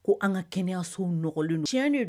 Ko an ka kɛnɛyayaso nɔgɔ tiɲɛɲɛn